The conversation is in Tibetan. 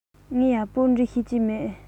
ངས ཡག པོ འབྲི ཤེས ཀྱི མེད